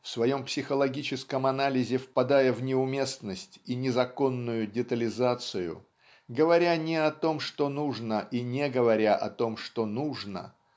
в своем психологическом анализе впадая в неуместность и незаконную детализацию говоря не о том что нужно и не говоря о том что нужно